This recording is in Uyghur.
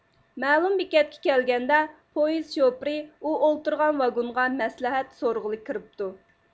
مەلۇم بېكەتكە كەلگەندە پويىز شوپۇرى ئۇ ئولتۇرغان ۋاگونغا مەسلىھەت سورىغىلى كىرىپتۇ